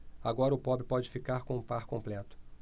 agora o pobre pode ficar com o par completo